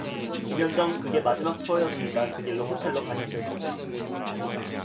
김현정 그게 마지막 투어였으니까 그 길로 호텔로 가셨을 거고